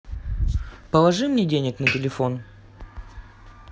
положи мне денег на телефон